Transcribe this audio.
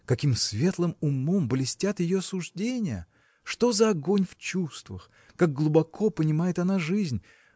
Каким светлым умом блестят ее суждения! что за огонь в чувствах! как глубоко понимает она жизнь!